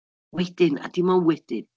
Wedyn a dim ond wedyn.